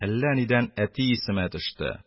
Әллә нидән әти исемә төште,